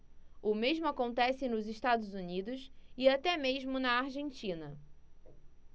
o mesmo acontece nos estados unidos e até mesmo na argentina